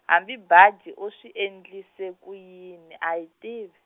hambi Baji u swi endlise ku yini a hi tiv-.